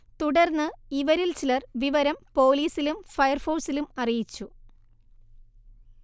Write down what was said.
തുടർന്ന് ഇവരിൽ ചിലർ വിവരം പോലീസിലും ഫയർഫോഴ്സിലും അറിയിച്ചു